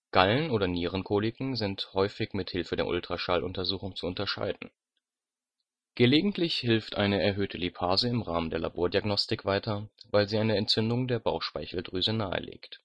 Gallen - oder Nierenkoliken sind häufig mit Hilfe der Ultraschalluntersuchung zu unterscheiden. Gelegentlich hilft eine erhöhte Lipase im Rahmen der Labordiagnostik weiter, weil sie eine Entzündung der Bauchspeicheldrüse nahelegt